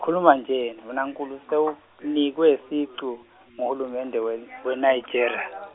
khuluma nje, ndvunankhulu sewunikwe sicu, nguHulumende weN- weNigeria.